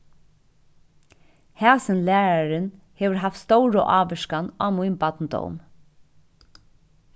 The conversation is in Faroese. hasin lærarin hevur havt stóra ávirkan á mín barndóm